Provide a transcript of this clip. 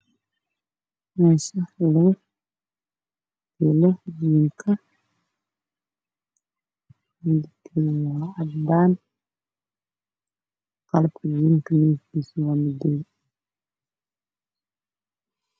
Waa qolka jiimka lagu dhigto